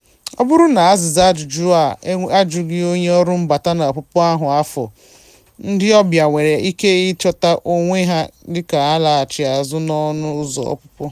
Ọ bụrụ na azịza ajụjụ a ejughị onye ọrụ mbata na ọpụpụ ahụ afọ, ndị ọbịa nwere ike ịchọta onwe ha ka a na-alaghachị azụ n'ọnụ ụzọ ọpụpụ.